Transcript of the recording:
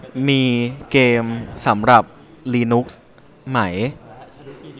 มีเกมสำหรับลีนุกซ์ไหม